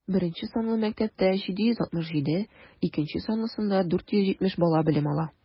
Беренче санлы мәктәптә - 767, икенче санлысында 470 бала белем ала.